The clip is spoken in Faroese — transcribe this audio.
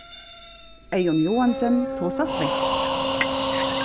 eyðun joensen tosar svenskt